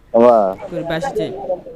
Nba, kɔri baasi tɛ yen